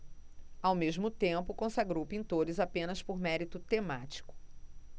ao mesmo tempo consagrou pintores apenas por mérito temático